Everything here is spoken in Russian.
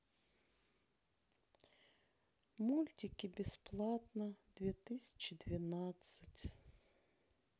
мультики бесплатно две тысячи двенадцать